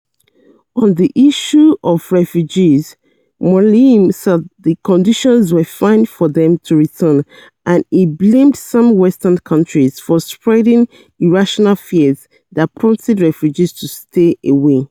On the issue of refugees, Moualem said the conditions were fine for them to return, and he blamed "some western countries" for "spreading irrational fears" that prompted refugees to stay away.